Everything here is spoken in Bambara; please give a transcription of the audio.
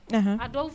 Anhan, a dɔw